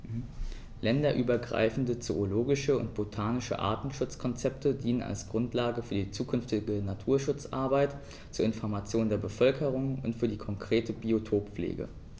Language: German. Länderübergreifende zoologische und botanische Artenschutzkonzepte dienen als Grundlage für die zukünftige Naturschutzarbeit, zur Information der Bevölkerung und für die konkrete Biotoppflege.